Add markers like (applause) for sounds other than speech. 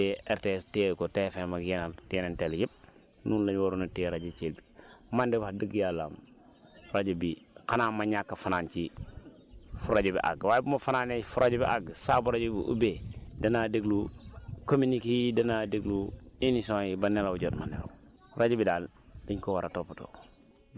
ñun (noise) daal rajo bi waroon nañ ko téye comme ni Sénégal téye RTS téye ko TFM ak yeneen télé yëpp noonu la ñu aroon a téye rajo bi Thiel man de wax dëgg yàlla rajo bii xanaa ma ñàkk a fanaan ci fu rajo bi àgg waaye bu ma fa fanaanee fu rajo bi àgg saa bu rajo bi ubbee danaa déglu communiqués yi danaa déglu émissions yi ba nelaw jot ma nelaw